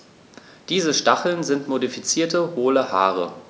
Diese Stacheln sind modifizierte, hohle Haare.